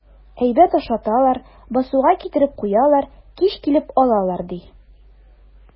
Әйбәт ашаталар, басуга китереп куялар, кич килеп алалар, ди.